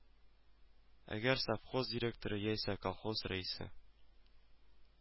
Әгәр совхоз директоры яисә колхоз рәисе